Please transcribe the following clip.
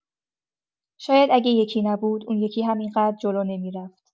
شاید اگه یکی نبود، اون یکی هم این‌قدر جلو نمی‌رفت.